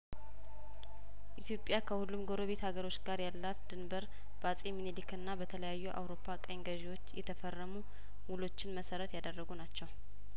ኢትዮጵያ ከሁሉም ጐረቤት ሀገሮች ጋር ያላት ድንበር በአጼ ሚንሊክና በተለያዩ የአውሮፓ ቀኝ ገዢዎች የተፈረሙ ውሎችን መሰረት ያደረጉ ናቸው